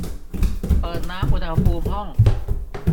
เปิดน้ำอุณหภูมิห้อง